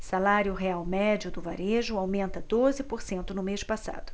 salário real médio do varejo aumenta doze por cento no mês passado